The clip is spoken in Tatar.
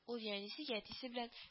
Ул я әнисе, я әтисе белән